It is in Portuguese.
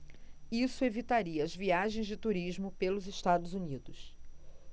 isso evitaria as viagens de turismo pelos estados unidos